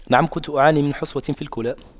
نعم كنت أعاني من حصوة في الكلى